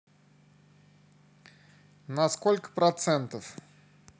на сколько процентов